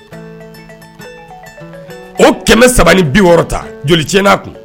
O kɛmɛ saba ni bi wɔɔrɔ ta joli ti kun